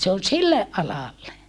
se on sille alalle